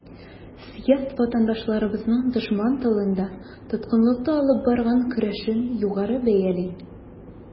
Съезд ватандашларыбызның дошман тылында, тоткынлыкта алып барган көрәшен югары бәяли.